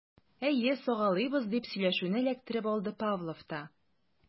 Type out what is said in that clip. Әйе, сагалыйбыз, - дип сөйләшүне эләктереп алды Павлов та.